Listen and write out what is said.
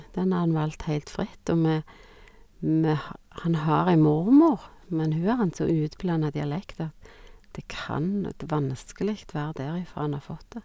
Den har han valgt heilt fritt, og vi vi har han har ei mormor, men hun har en så utblanda dialekt at det kan nå de vanskelig være derifra han har fått det.